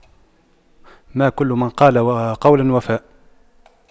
ما كل من قال قولا وفى